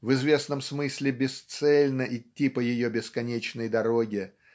В известном смысле бесцельно идти по ее бесконечной дороге.